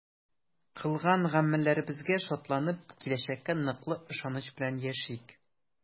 Кылган гамәлләребезгә шатланып, киләчәккә ныклы ышаныч белән яшик!